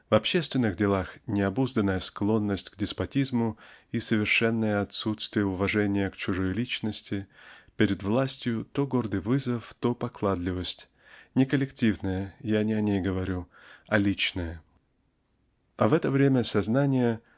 в общественных делах необузданная склонность к деспотизму и совершенное отсутствие уважения к чужой личности перед властью--то гордый вызов то покладливость--не коллективная я не о ней говорю -- а личная . А в это время сознание